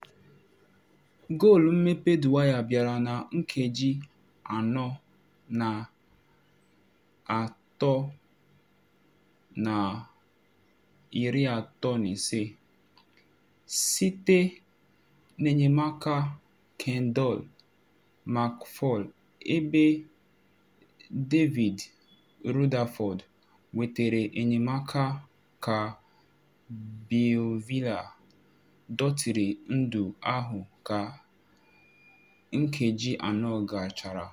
Goolu mmepe Dwyer bịara na nkeji anọ na 3:35 site n’enyemaka Kendall McFaull, ebe David Rutherford wetere enyemaka ka Beauvillier dọtịrị ndu ahụ ka nkeji anọ gachara.